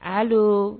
Hali